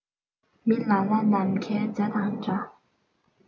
མི ལ ལ ནམ མཁའི བྱ དང འདྲ